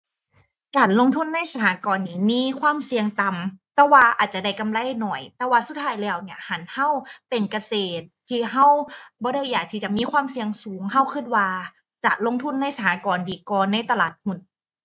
การลงทุนในสหกรณ์นี้มีความเสี่ยงต่ำ แต่ว่าอาจจะได้กำไรน้อย แต่ว่าสุดท้ายแล้วเนี่ย หั้นเราเป็นเกษตรที่เราบ่ได้อยากที่จะมีความเสี่ยงสูง เราเราว่า จะลงทุนในสหกรณ์ดีกว่าในตลาดหุ้น